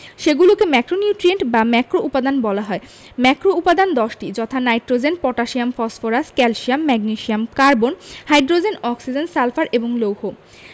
সেগুলোকে ম্যাক্রোনিউট্রিয়েন্ট বা ম্যাক্রোউপাদান বলা হয় ম্যাক্রোউপাদান ১০ টি যথা nitrogen potassium phosphorus calcium magnesium carbon hydrogen oxygen sulphur এবং লৌহ